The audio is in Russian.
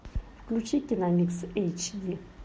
включи киномикс эйч ди